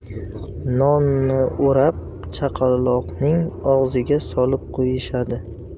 nonmi o'rab chaqaloqning og'ziga solib qo'yishadi